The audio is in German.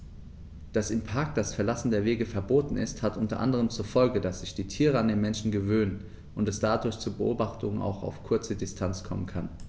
Dass im Park das Verlassen der Wege verboten ist, hat unter anderem zur Folge, dass sich die Tiere an die Menschen gewöhnen und es dadurch zu Beobachtungen auch auf kurze Distanz kommen kann.